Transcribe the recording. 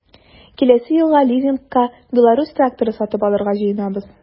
Киләсе елга лизингка “Беларусь” тракторы сатып алырга җыенабыз.